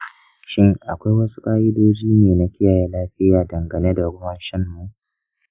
shin akwai wasu ƙa'idoji na kiyaye lafiya dangane da ruwan shanmu?